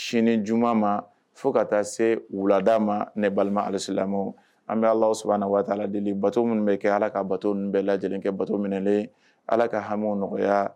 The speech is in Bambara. Sini juma ma fo ka taa se wulada ma ne balima alisilama an bɛ ala sabanan waati deli bato minnu bɛ kɛ ala ka bato ninnu bɛ lajɛ lajɛlen kɛ bato minɛlen ala ka haw nɔgɔya